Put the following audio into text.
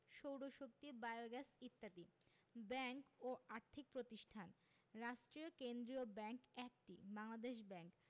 সৌরশক্তি বায়োগ্যাস ইত্যাদি ব্যাংক ও আর্থিক প্রতিষ্ঠানঃ রাষ্ট্রীয় কেন্দ্রীয় ব্যাংক ১টি বাংলাদেশ ব্যাংক